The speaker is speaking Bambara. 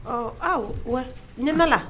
Ɔ aw wa ne ma la